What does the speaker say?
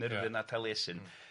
Nurddin a Thaliesyn m-hm.